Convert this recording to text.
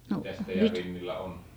mitäs teidän vintillä on